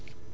dëgg la